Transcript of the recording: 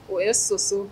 O ye soso